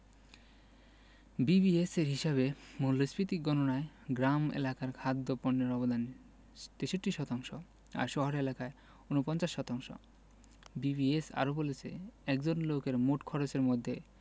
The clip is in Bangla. বিবিএসের হিসাবে মূল্যস্ফীতি গণনায় গ্রাম এলাকায় খাদ্যপণ্যের অবদান ৬৩ শতাংশ আর শহর এলাকায় ৪৯ শতাংশ বিবিএস আরও বলছে একজন লোকের মোট খরচের মধ্যে